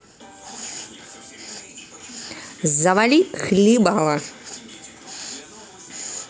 завали хлебало